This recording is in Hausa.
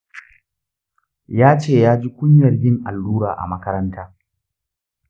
yace yaji kunyar yin allura a makaranta.